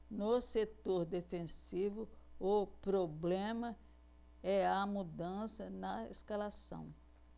no setor defensivo o problema é a mudança na escalação